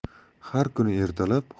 har kuni ertalab